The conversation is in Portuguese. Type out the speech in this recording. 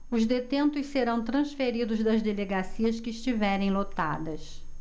os detentos serão transferidos das delegacias que estiverem lotadas